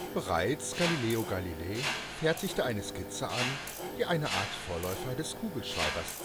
Bereits Galileo Galilei fertigte eine Skizze an, die eine Art Vorläufer des Kugelschreibers